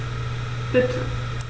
Bitte.